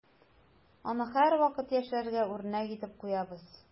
Аны һәрвакыт яшьләргә үрнәк итеп куябыз.